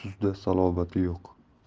tuzda salobati yo'q